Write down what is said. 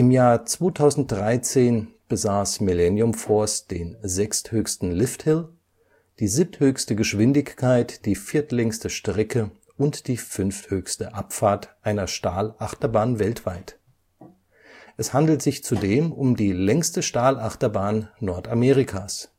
Jahr 2013 besaß Millennium Force den sechsthöchsten Lifthill, die siebthöchste Geschwindigkeit, die viertlängste Strecke und die fünfthöchste Abfahrt einer Stahlachterbahn weltweit. Es handelt sich zudem um die längste Stahlachterbahn Nordamerikas